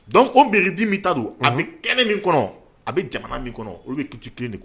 Donc o beredi min ta don ɔnhɔn a bɛ kɛnɛ min kɔnɔ a bɛ jamana min kɔnɔ olu bɛ kiti 1 de k